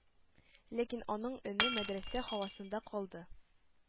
Ләкин аның өне мәдрәсә һавасында калды.